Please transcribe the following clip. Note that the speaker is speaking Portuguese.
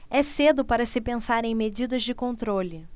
é cedo para se pensar em medidas de controle